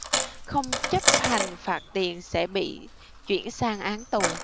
không chấp hành phạt tiền sẽ bị chuyển sang án tù